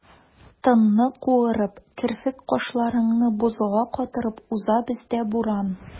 Тынны куырып, керфек-кашларыңны бозга катырып уза бездә буран.